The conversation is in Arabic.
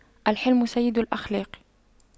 الحِلْمُ سيد الأخلاق